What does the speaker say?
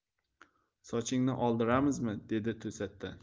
sochingni oldiramizmi dedi to'satdan